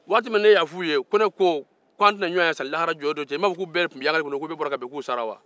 waati min na e y'a f'u ye ko ne ko k'a tɛna ɲɔgɔn ye sanni lahara jɔ don cɛ i m'a fɔk'u bɛɛ tun bɛ yaala la ko ni min bɔra ka bin k'o sara wa